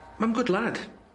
Ma'n good lad.